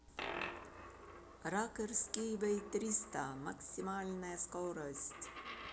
racer skyway триста максимальная скорость